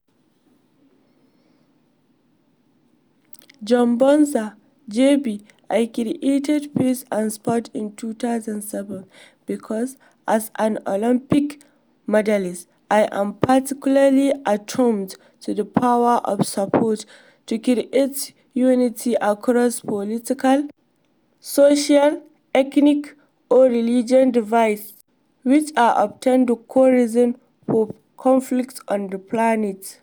Joël Bouzou (JB): I created Peace and Sport in 2007 because, as an Olympic medalist, I am particularly attuned to the power of sport to create unity across political, social, ethnic or religious divides, which are often the core reasons for conflicts on the planet.